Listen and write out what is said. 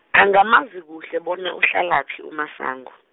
angamazi kuhle bona uhlalaphi nguMasango.